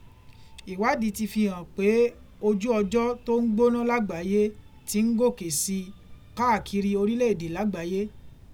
Ìwádìí ti fi hàn pé ojú ọjọ́ tó ń gbóná lágbàáyé ti ń gòkè si káàkiri orílẹ̀ èdè lágbàáyé.